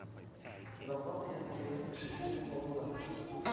Озакламый Әнкәйне эшеннән үк алдылар.